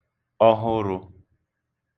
ọhụrụ̄